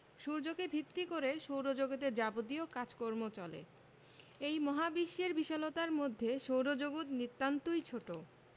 সূর্যকে ভিত্তি করে সৌরজগতের যাবতীয় কাজকর্ম চলে এই মহাবিশ্বের বিশালতার মধ্যে সৌরজগৎ নিতান্তই ছোট